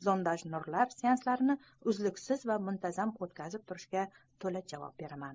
zondaj nurlar seanslarini uzluksiz va muntazam o'tkazib turishga to'la javob beraman